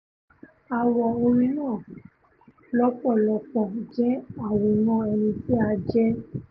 Àwo orin náà lọ́pọ̀lọ́pọ̀ jẹ́ àwòrán ẹnití a jẹ́.''